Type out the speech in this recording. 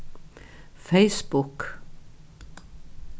facebook